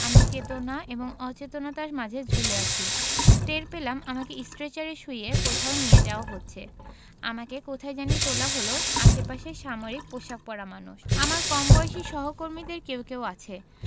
আমি চেতনা এবং অচেতনার মাঝে ঝুলে আছি টের পেলাম আমাকে স্ট্রেচারে শুইয়ে কোথাও নিয়ে যাওয়া হচ্ছে আমাকে কোথায় জানি তোলা হলো আশেপাশে সামরিক পোশাক পরা মানুষ আমার কমবয়সী সহকর্মীদের কেউ কেউ আছে